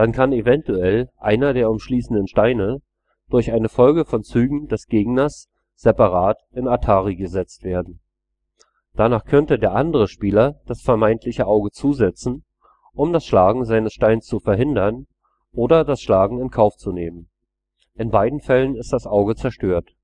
kann eventuell einer der umschließenden Steine durch eine Folge von Zügen des Gegners separat in „ Atari “gesetzt werden. Danach könnte der andere Spieler das vermeintliche Auge zusetzen, um das Schlagen seines Steins zu verhindern, oder das Schlagen in Kauf nehmen. In beiden Fällen ist das Auge zerstört